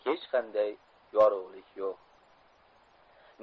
hech qanday yorug'lik yo'q